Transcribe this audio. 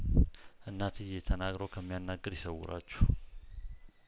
እናንትዬ ተናግሮ ከሚያናግር ይሰውራችሁ